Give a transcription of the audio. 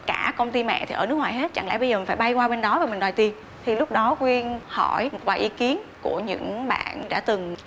cả công ty mẹ thì ở nước ngoài hết chẳng lẽ bây giờ phải bay qua bên đó và mình đòi tiền thì lúc đó quyên hỏi một vài ý kiến của những bạn đã từng